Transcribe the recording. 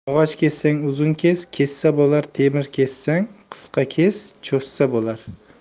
yog'och kessang uzun kes kessa bo'lar temir kessang qisqa kes cho'zsa bo'lar